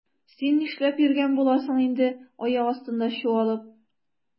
Син нишләп йөргән буласың инде аяк астында чуалып?